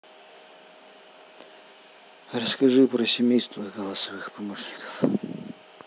расскажи про семейство голосовых помощников